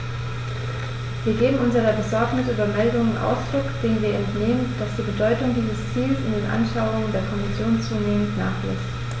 Wir geben unserer Besorgnis über Meldungen Ausdruck, denen wir entnehmen, dass die Bedeutung dieses Ziels in den Anschauungen der Kommission zunehmend nachlässt.